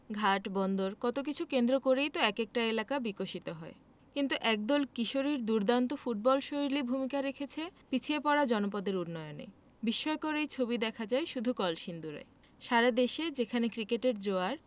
ঘাট বন্দর কত কিছু কেন্দ্র করেই তো এক একটা এলাকা বিকশিত হয় কিন্তু একদল কিশোরীর দুর্দান্ত ফুটবলশৈলী ভূমিকা রাখছে পিছিয়ে পড়া জনপদের উন্নয়নে বিস্ময়কর এই ছবি দেখা যায় শুধু কলসিন্দুরে সারা দেশে যেখানে ক্রিকেটের জোয়ার